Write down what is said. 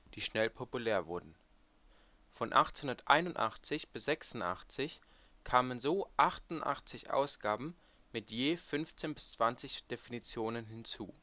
die schnell populär wurden. Von 1881 bis 1886 kamen so 88 Ausgaben mit je 15-20 Definitionen hinzu